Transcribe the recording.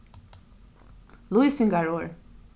lýsingarorð